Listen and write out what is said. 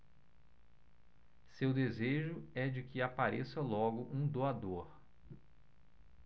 seu desejo é de que apareça logo um doador